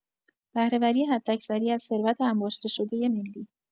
بهره‌وری حداکثری از ثروت انباشته‌شدۀ ملی